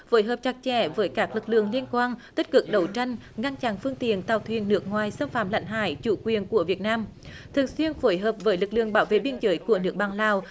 phối hợp chặt chẽ với các lực lượng liên quan tích cực đấu tranh ngăn chặn phương tiện tàu thuyền nước ngoài xâm phạm lãnh hải chủ quyền của việt nam thường xuyên phối hợp với lực lượng bảo vệ biên giới của nước bạn lào